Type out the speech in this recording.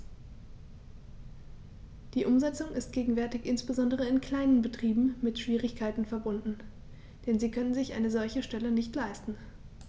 Die Umsetzung ist gegenwärtig insbesondere in kleinen Betrieben mit Schwierigkeiten verbunden, denn sie können sich eine solche Stelle nicht leisten.